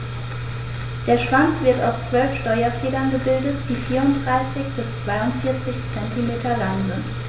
Der Schwanz wird aus 12 Steuerfedern gebildet, die 34 bis 42 cm lang sind.